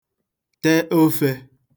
te ofē